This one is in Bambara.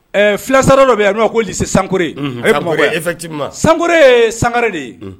Fulasa dɔ bɛ yen a n'a ko li sankji sankore ye sangare de ye